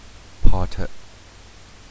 พอเถอะ